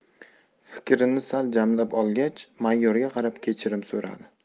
fikrini sal jamlab olgach mayorga qarab kechirim so'radi